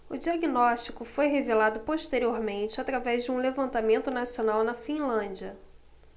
o diagnóstico foi revelado posteriormente através de um levantamento nacional na finlândia